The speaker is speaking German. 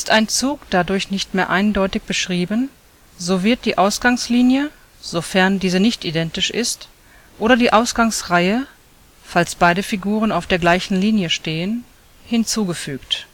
ein Zug dadurch nicht mehr eindeutig beschrieben, so wird die Ausgangslinie (sofern diese nicht identisch ist) oder die Ausgangsreihe (falls beide Figuren auf der gleichen Linie stehen) hinzugefügt